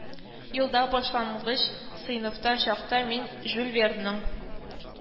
Елда, башлангыч сыйныфта чакта, мин жюль вернның